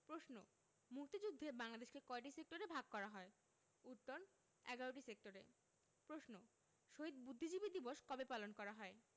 প্রশ্ন মুক্তিযুদ্ধে বাংলাদেশকে কয়টি সেক্টরে ভাগ করা হয় উত্তর ১১টি সেক্টরে প্রশ্ন শহীদ বুদ্ধিজীবী দিবস কবে পালন করা হয়